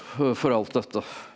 for alt dette.